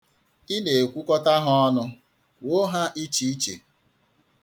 Ị na-ekwukọta ha ọnụ, kwuo ha iche iche.